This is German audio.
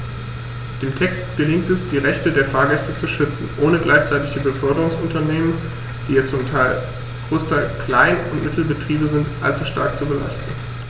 Dem Text gelingt es, die Rechte der Fahrgäste zu schützen, ohne gleichzeitig die Beförderungsunternehmen - die ja zum Großteil Klein- und Mittelbetriebe sind - allzu stark zu belasten.